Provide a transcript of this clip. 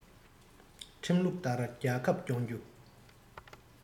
ཁྲིམས ལུགས ལྟར རྒྱལ ཁབ སྐྱོང རྒྱུ